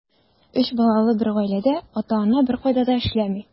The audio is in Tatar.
Өч балалы бер гаиләдә ата-ана беркайда да эшләми.